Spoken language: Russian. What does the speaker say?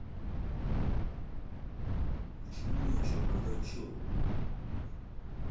почему ни о чем надо о чем